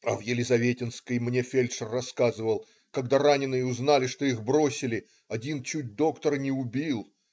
"А в Елизаветинской, мне фельдшер рассказывал, когда раненые узнали, что их бросили, один чуть доктора не убил.